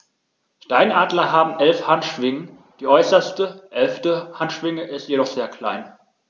Steinadler haben 11 Handschwingen, die äußerste (11.) Handschwinge ist jedoch sehr klein.